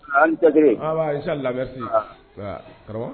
A ni cɛ siri, an baa inchallah karamɔgɔ